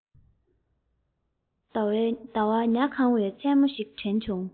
ཟླ བ ཉ གང བའི མཚན མོ ཞིག དྲན བྱུང